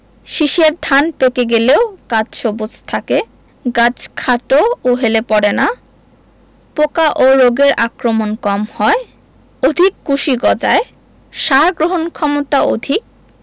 শীষের ধান পেকে গেলেও গাছ সবুজ থাকে গাছ খাটো ও হেলে পড়ে না পোকা ও রোগের আক্রমণ কম হয় অধিক কুশি গজায় সার গ্রহণক্ষমতা অধিক